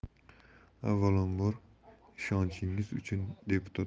avvalambor ishonchingiz uchun deputatlarga